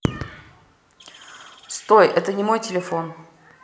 стой это не мой телефон